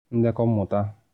Ndekọ Mmụta